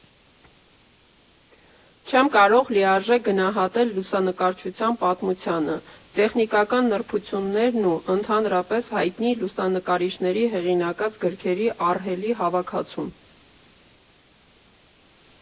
Չեմ կարող լիարժեք գնահատել լուսանկարչության պատմությանը, տեխնիկական նրբություններն ու ընդհանրապես հայտնի լուսանկարիչների հեղինակած գրքերի ահռելի հավաքածուն։